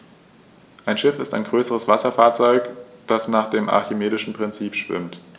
Ein Schiff ist ein größeres Wasserfahrzeug, das nach dem archimedischen Prinzip schwimmt.